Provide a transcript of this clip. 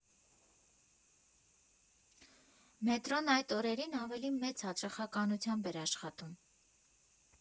«Մետրոն այդ օրերին ավելի մեծ հաճախականությամբ էր աշխատում.